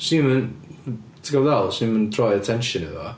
'Swn i'm yn... ti'n gwbod be dwi'n feddwl 'swn i'm yn rhoi attention iddo fo.